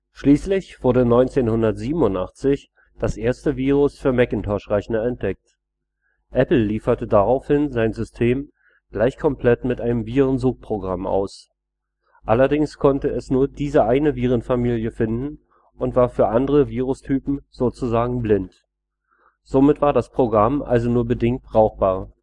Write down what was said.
Schließlich wurde 1987 das erste Virus für Macintosh-Rechner entdeckt. Apple lieferte daraufhin sein System gleich komplett mit einem Virensuchprogramm aus. Allerdings konnte es nur diese eine Virenfamilie finden und war für andere Virustypen sozusagen blind. Somit war das Programm also nur bedingt brauchbar